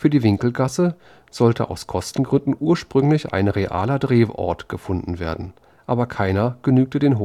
die Winkelgasse sollte aus Kostengründen ursprünglich ein realer Drehort gefunden werden, aber keiner genügte den